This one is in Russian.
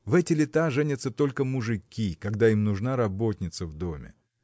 В эти лета женятся только мужики, когда им нужна работница в доме.